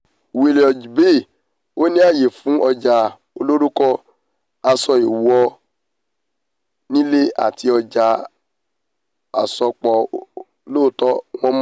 Willoughby òní àyè fún ọjà olórúkọ aso iwọ nílé àti ̀ọja àsopọ̀Truly wọn mọ́.